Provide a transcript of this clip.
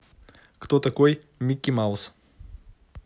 кто такой микки маус